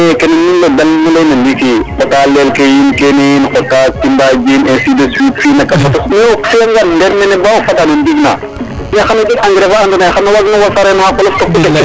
Me kene nu layna ndiiki xotaa leel ke yiin kene yiin xota a timbaajin ainsi de suite roog soom a fi'angaan nek roog soom woru ndeer mene bo o fada no ndiig na yaqanee o jeg engrais fa andoona yee xan o waagno wasaree no xa qolof.